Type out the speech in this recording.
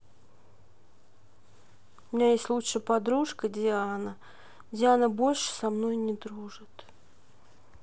у меня есть лучшая подружка диана диана больше со мной не дружит